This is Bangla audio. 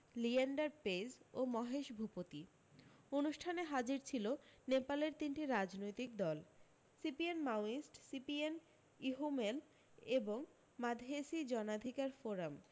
লিয়েন্ডার পেজ ও মহেশ ভূপতি অনুষ্ঠানে হাজির ছিল নেপালের তিনটি রাজনৈতিক দল সিপিএন মাওয়িস্ট সিপিএন ইহুমেল এবং মাদহেসি জনাধিকার ফোরাম